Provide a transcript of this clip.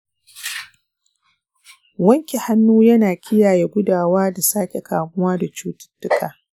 wanke hannu yana kiyaye gudawa da sake kamuwa da cututtuka.